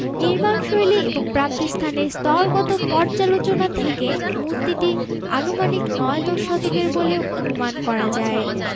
নির্মাণশৈলী এবং প্রাপ্তিস্থানের স্তরগত পর্যালোচনা থেকে মূর্তিটি আনুমানিক নয় দশ শতকের বলে অনুমাণ করা যায়